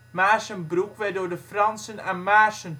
Maarssenbroek werd door de Fransen aan Maarssen